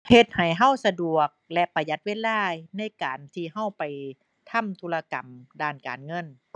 เฮ็ดให้เราสะดวกและประหยัดเวลา ในการที่เราไปทำธุรกรรมด้านการเงิน